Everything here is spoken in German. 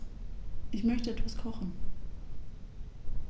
Ich möchte etwas kochen.